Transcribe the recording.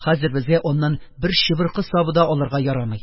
Хәзер безгә аннан бер чыбыркы сабы да алырга ярамый!